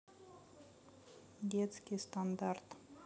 детский стандарт